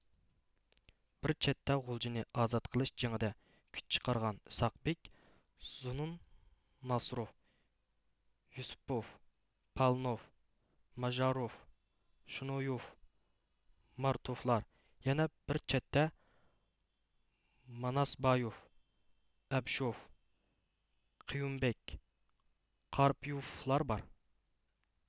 بىر چەتتە غۇلجىنى ئازاد قىلىش جېڭىدە كۈچ چىقارغان ئىسھاقبېك زۇنۇن ناسىروف يۈسۈپوف پالىنوف ماژاروف شونويوف مارتوفلار يەنە بىر چەتتە ماناسبايوف ئەبىشوف قېيۇمبەگ قارپىيوفلاربار